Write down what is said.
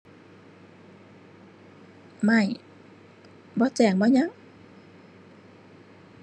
ไม่ บ่แจ้งบ่หยัง